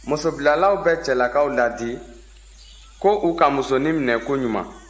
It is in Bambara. musobilalaw bɛ cɛlakaw laadi ko u ka musonin minɛ koɲuman